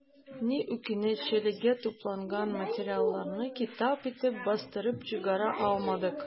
Ни үкенеч, әлегә тупланган материалларны китап итеп бастырып чыгара алмадык.